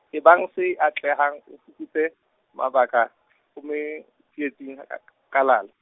ebang o se atlehang, o fuputse, mabaka, o mme, tsietsing alak-, kalala.